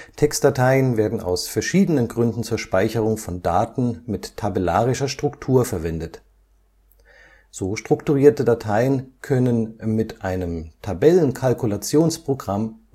Textdateien werden aus verschiedenen Gründen zur Speicherung von Daten mit tabellarischer Struktur verwendet. So strukturierte Dateien können mit einem Tabellenkalkulationsprogramm